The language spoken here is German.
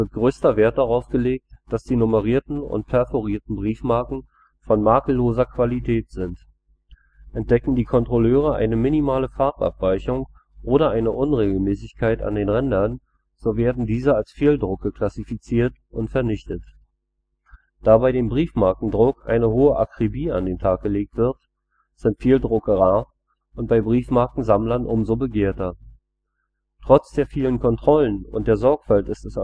größter Wert darauf gelegt, dass die nummerierten und perforierten Briefmarken von „ makelloser Qualität “sind. Entdecken die Kontrolleure eine minimale Farbabweichung oder eine Unregelmäßigkeit an den Rändern, so werden diese als „ Fehldrucke “klassifiziert und vernichtet. Da bei dem Briefmarkendruck eine hohe Akribie an den Tag gelegt wird, sind Fehldrucke rar und bei Briefmarkensammlern umso begehrter. Trotz der vielen Kontrollen und der Sorgfalt ist